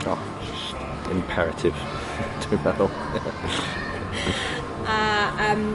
Wel, imperative dwi'n meddwl. A yym